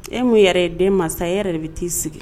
E min yɛrɛ ye den mansa ye e yɛrɛ de bi ti sigi.